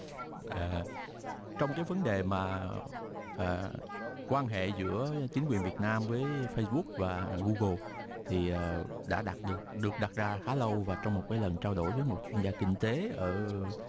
à trong cái vấn đề mà à quan hệ giữa chính quyền việt nam với phây búc và hu gồ thì đã đạt được được đặt ra khá lâu và trong một cái lần trao đổi với một chuyên gia kinh tế ở